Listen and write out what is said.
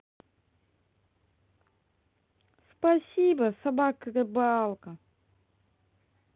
спасибо собака рыбалка